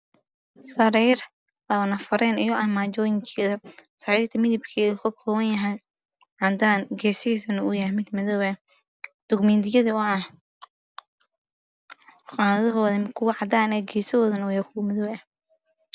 Waa sariir kalarkeedu yahay caddaan madow waxaa ag yaalo labo koomadiin oo cadaan ah